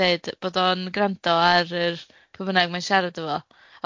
deud bod o'n grando ar yr pwy bynnag mae'n sharad efo